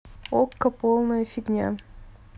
окко полная фигня